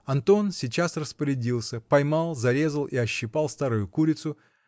Антон сейчас распорядился: поймал, зарезал и ощипал старую курицу